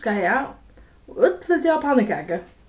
øll vildu hava pannukaku